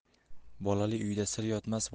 bolah uyda sir yotmas